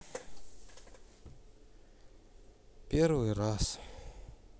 первый раз